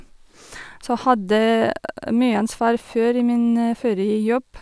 Så hadde mye ansvar før i min forrige jobb.